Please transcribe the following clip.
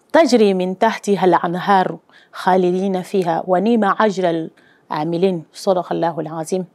Tanjre min taati halil an har halilinafin wa n ma azli a mi sɔ dɔ halilakɔ an se